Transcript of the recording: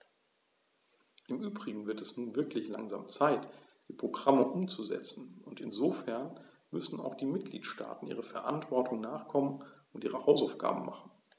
Im übrigen wird es nun wirklich langsam Zeit, die Programme umzusetzen, und insofern müssen auch die Mitgliedstaaten ihrer Verantwortung nachkommen und ihre Hausaufgaben machen.